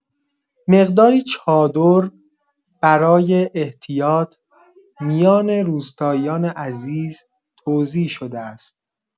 مقداری چادر برای احتیاط، میان روستاییان عزیز توزیع شده است.